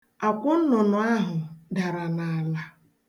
Akwụ nnụnụ ahụ dara n'ala.